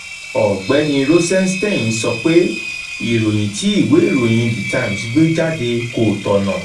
Ọ̀gbẹ́ni Rosenstein sọ pé ìròyìn tí ìwé ìròyìn The Times gbé jáde kò tọ̀nà.